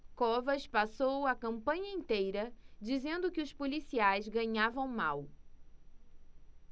covas passou a campanha inteira dizendo que os policiais ganhavam mal